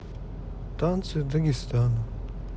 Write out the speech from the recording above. танцы дагестана